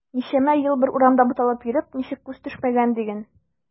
Ничәмә ел бер урамда буталып йөреп ничек күз төшмәгән диген.